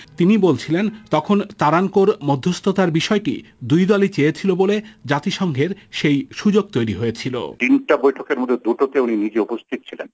তিনি বলছিলেন তখন তারানকোর মধ্যস্থতায় বিষয়টি দুই দলই চেয়েছিল বলে জাতিসংঘের সেই সুযোগ তৈরি হয়েছিল তিনটা বৈঠকের মধ্যে দুটো তে উনি নিজের উপস্থিত ছিলেন